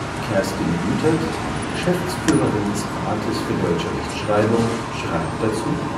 Kerstin Güthert, Geschäftsführerin des Rates für deutsche Rechtschreibung, schreibt dazu